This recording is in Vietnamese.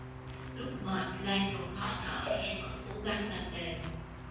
lúc mệt loan thường khó thở nhưng em vẫn cố gắng tập đều